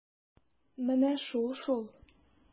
Менә шул-шул!